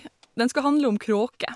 Den skal handle om kråker.